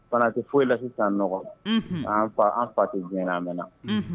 Fana tɛ foyi la sisan an nɔgɔ, unhun, an fa an fa tɛ diɲɛ a mɛɛnna, unhun